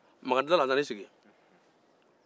makan tilara ka na i sigi